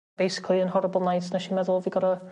Basically un horrible night nesh i meddwl fi gor'o'